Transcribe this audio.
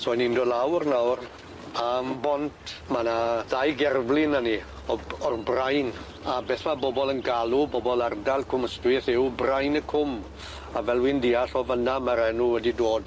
So 'yn ni'n dod lawr nawr am bont ma' 'na ddau gerflun arni o b- o'r brain a beth ma' bobol yn galw bobol ardal Cwm Ystwyth yw brain y cwm a fel wi'n deall o fyn 'na ma'r enw wedi dod.